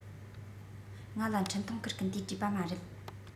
ང ལ འཕྲིན ཐུང བསྐུར མཁན དེས བྲིས པ མ རེད